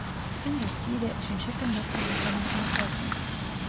Син Россиядә өченче көн нәрсә булганын онытасың.